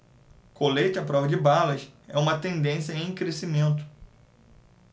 colete à prova de balas é uma tendência em crescimento